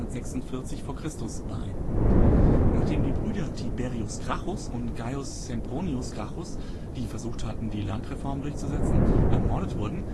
146 v. Chr.) bei. Nachdem die Brüder Tiberius Gracchus und Gaius Sempronius Gracchus, die versucht hatten, Landreformen durchzusetzen, ermordet wurden